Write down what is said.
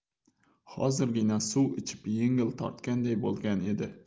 hozirgina suv ichib yengil tortganday bo'lgan edi